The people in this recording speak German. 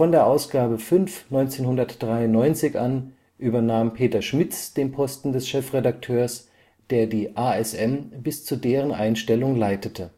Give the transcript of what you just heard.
der Ausgabe 5/1993 an übernahm Peter Schmitz den Posten des Chefredakteurs, der die ASM bis zu deren Einstellung leitete